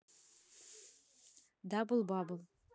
double bubble